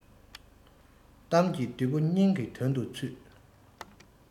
གཏམ གྱི བདུད པོ སྙིང གི དོན དུ ཚུད